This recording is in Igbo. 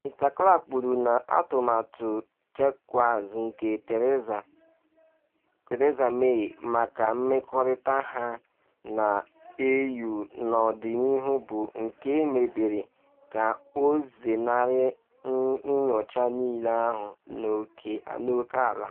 Mr Clark kwuru na atụmatụ Chequers nke Theresa May maka mmekọrịta ha na EU n’ọdịnihu bụ “nke emebere ka ọ zenarị nyocha niile ahụ n’oke ala.”